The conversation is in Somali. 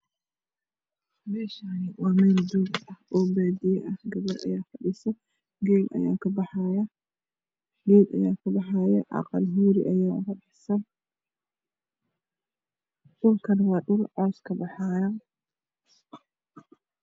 Meshaani waa meel. dog ah oo badiyo ah gabar ayaay fadhiso geel ayaa ka baxaay geed ayaa ka baxaay aqal huur ah ayaa ugdhisan dhulkane waaa dhul. cos ka baxay